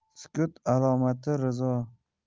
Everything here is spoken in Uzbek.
sukut alomati rizo